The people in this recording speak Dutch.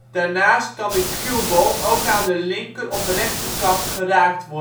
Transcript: Daarnaast kan de cueball ook aan de linker - of rechterkant geraakt